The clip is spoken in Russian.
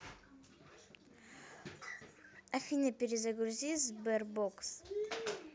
афина перезагрузи sberbox